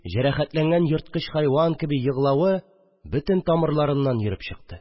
Җәрәхәтләнгән ерткыч хайван кеби еглавы бөтен тамырларымнан йөреп чыкты